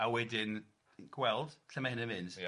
A wedyn gweld lle mae hyn yn mynd. Ia.